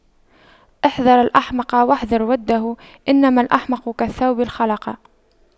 احذر الأحمق واحذر وُدَّهُ إنما الأحمق كالثوب الْخَلَق